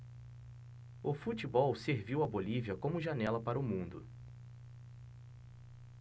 o futebol serviu à bolívia como janela para o mundo